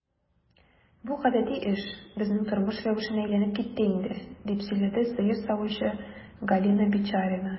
Бу гадәти эш, безнең тормыш рәвешенә әйләнеп китте инде, - дип сөйләде сыер савучы Галина Бичарина.